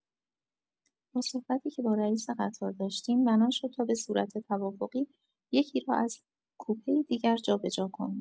با صحبتی که با رئیس قطار داشتیم بنا شد تا به صورت توافقی یکی را از کوپه‌ای دیگر جابجا کنیم.